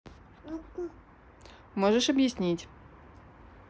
можешь объяснить